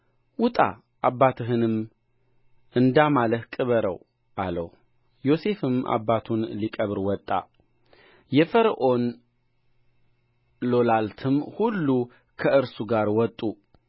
ውጣ አባትህንም እንዳማለህ ቅበረው አለው ዮሴፍም አባቱን ሊቀብር ወጣ የፈርዖን ሎላልትም ሁሉ ከእርሱ ጋር ወጡ